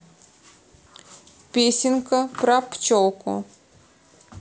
песенка про пчелку